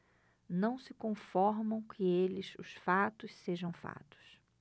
não se conformam que eles os fatos sejam fatos